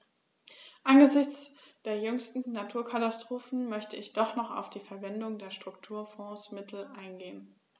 Angesichts der jüngsten Naturkatastrophen möchte ich doch noch auf die Verwendung der Strukturfondsmittel eingehen.